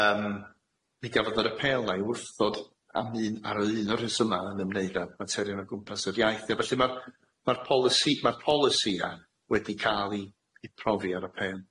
Yym mi gafodd yr apêl na i wrthdod am un ar un o'r rhesyma yn ymwneud â materion o gwmpas yr iaith a felly ma'r ma'r polisi ma'r polisia wedi ca'l i i profi ar y pên.